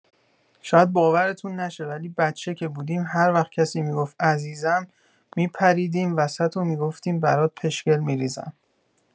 شاید باورتون نشه ولی بچه که بودیم هروقت کسی می‌گفت عزیزم می‌پریدیم وسط و می‌گفتیم برات پشکل می‌ریزم.